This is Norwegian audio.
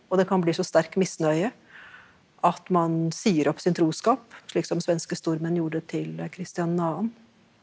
og det kan bli så sterk misnøye at man sier opp sin troskap slik som svenske stormenn gjorde til Christian den annen.